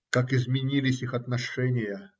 Как изменились их отношения!